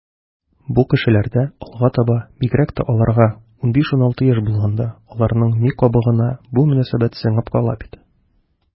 Бу кешеләрдә алга таба, бигрәк тә аларга 15-16 яшь булганда, аларның ми кабыгына бу мөнәсәбәт сеңеп кала бит.